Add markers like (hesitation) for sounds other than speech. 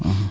(hesitation) (hesitation)